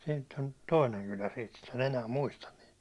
siinä on toinen kylä siitä mutta en enää muistan niitä